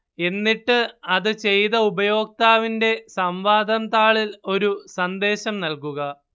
എന്നിട്ട് അത് ചെയ്ത ഉപയോക്താവിന്റെ സംവാദം താളിൽ ഒരു സന്ദേശം നൽകുക